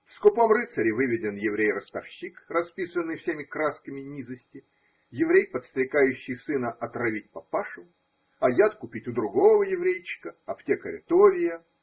В Скупом рыцаре выведен еврей-ростовщик, расписанный всеми красками низости, еврей, подстрекающий сына отравить папашу – а яд купить у другого еврейчика, аптекаря Товия.